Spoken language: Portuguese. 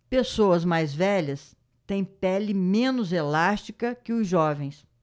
pessoas mais velhas têm pele menos elástica que os jovens